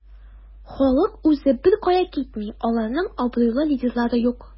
Халык үзе беркая китми, аларның абруйлы лидерлары юк.